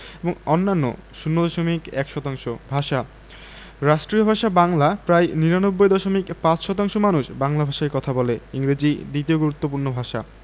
অন্যান্য ০দশমিক ১ শতাংশ ভাষাঃ রাষ্ট্রীয় ভাষা বাংলা প্রায় ৯৯দশমিক ৫শতাংশ মানুষ বাংলা ভাষায় কথা বলে ইংরেজি দ্বিতীয় গুরুত্বপূর্ণ ভাষা